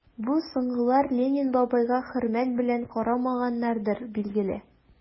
Бу соңгылар Ленин бабайга хөрмәт белән карамаганнардыр, билгеле...